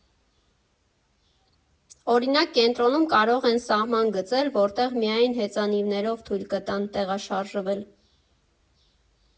Օրինակ, կենտրոնում կարող են սահման գծել, որտեղ միայն հեծանիվներով թույլ կտան տեղաշարժվել։